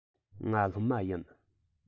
ང སློབ མ ཡིན